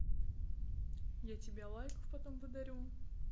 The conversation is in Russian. я тебя лайков потом подарю